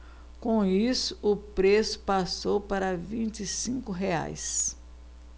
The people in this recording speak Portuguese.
com isso o preço passou para vinte e cinco reais